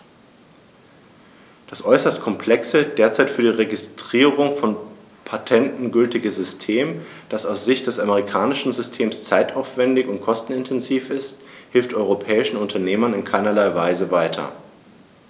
Das äußerst komplexe, derzeit für die Registrierung von Patenten gültige System, das aus Sicht des amerikanischen Systems zeitaufwändig und kostenintensiv ist, hilft europäischen Unternehmern in keinerlei Weise weiter.